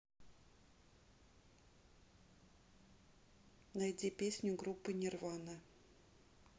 найди песню группы нирвана